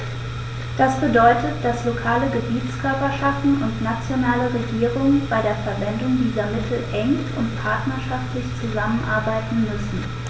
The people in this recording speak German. Das bedeutet, dass lokale Gebietskörperschaften und nationale Regierungen bei der Verwendung dieser Mittel eng und partnerschaftlich zusammenarbeiten müssen.